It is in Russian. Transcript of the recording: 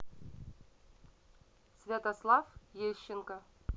святослав ещенко